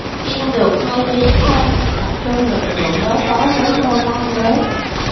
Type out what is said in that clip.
yên được hai phía khang hi tập trung lực lượng đối phó với ngô tam quế